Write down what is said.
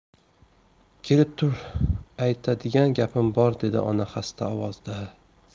kelib tur aytadigan gapim bor dedi ona xasta ovozda